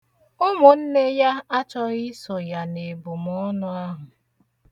Ụmụnne ya achọghị iso ya n'ebumọnụ ahụ.